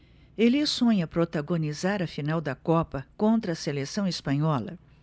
ele sonha protagonizar a final da copa contra a seleção espanhola